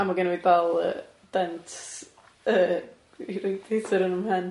A ma' genna fi dal yy dent yy radiator yn 'y mhen.